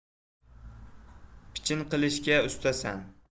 piching qilishga ustasan